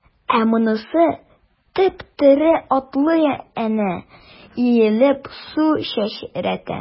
Ә монысы— теп-тере, атлый әнә, иелеп су чәчрәтә.